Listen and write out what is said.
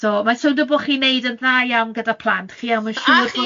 So, mae'n sowndo bo' chi'n wneud yn dda iawn gyda plant chi... A chi! ...a 'wi'n siŵr